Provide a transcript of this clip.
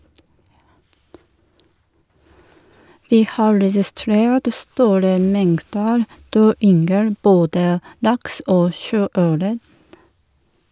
- Vi har registrert store mengder død yngel, både laks og sjøørret.